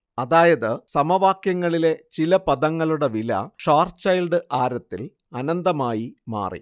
അതായത് സമവാക്യങ്ങളിലെ ചില പദങ്ങളുടെ വില ഷ്വാർസ്ചൈൽഡ് ആരത്തിൽ അനന്തമായി മാറി